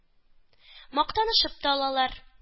Мактанышып та алалар...